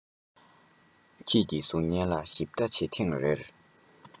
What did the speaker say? ཁྱེད ཀྱི གཟུགས བརྙན ལ ཞིབ ལྟ བྱེད ཐེངས རེར